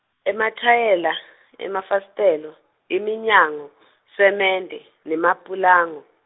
emathayela, emafasitelo, iminyango , semende, nemapulango.